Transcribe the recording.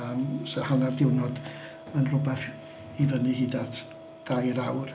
Yym bysa hanner diwrnod yn rywbeth i fyny hyd at dair awr.